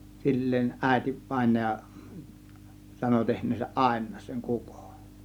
silleen äiti vainaja sanoi tehneensä aina sen kukon